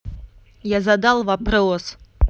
я задал вопрос